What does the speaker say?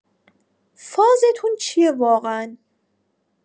فازتون چیه واقعا؟